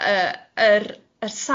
yy, yr yy